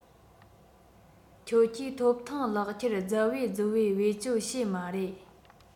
ཁྱེད ཀྱིས ཐོབ ཐང ལག ཁྱེར རྫབ བེ རྫོབ བེ བེད སྤྱོད བྱེད མ རེད